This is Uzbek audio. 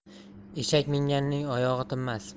eshak minganning oyog'i tinmas